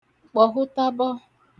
kpọ̀hụtabọ